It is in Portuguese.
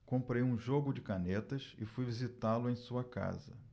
comprei um jogo de canetas e fui visitá-lo em sua casa